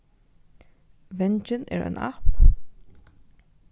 vangin er ein app